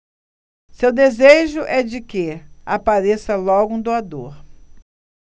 seu desejo é de que apareça logo um doador